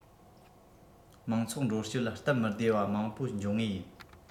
མང ཚོགས འགྲོ སྐྱོད ལ སྟབས མི བདེ བ མང པོ འབྱུང ངེས ཡིན